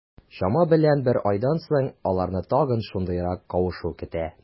Чама белән бер айдан соң, аларны тагын шушындыйрак кавышу көтә.